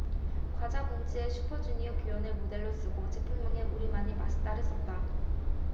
과자 봉지에 슈퍼주니어의 규현을 모델로 쓰고 제품명에 우리말인 맛있다를 썼다